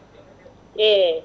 eyyi